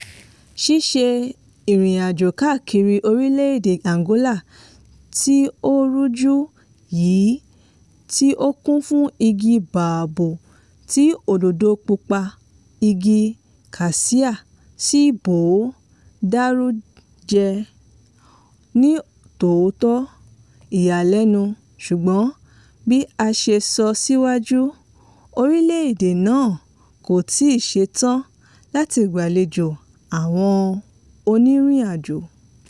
Ṣíṣe ìrìn àjò káàkiri orílẹ̀ èdè Angola tí ó rújú yìí tí ó kún fún igi báábò tí òdòdó pupa igi kasíà sí bòó dáru jẹ́, ní tòótọ́, ìyàlẹ́nu, ṣùgbọ́n bí a ṣe sọ síwájú, orílẹ̀ èdè náà kò tíì ṣe tán láti gbàlejò àwọn onírin àjò.